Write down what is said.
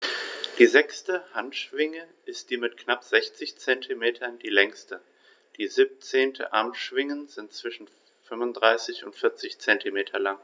Die sechste Handschwinge ist mit knapp 60 cm die längste. Die 17 Armschwingen sind zwischen 35 und 40 cm lang.